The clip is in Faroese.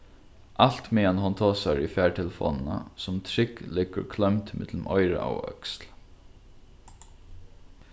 alt meðan hon tosar í fartelefonina sum trygg liggur kleimd millum oyra og øksl